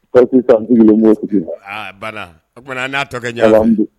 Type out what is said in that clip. Aa banna oumana n'a tɔ ka ɲa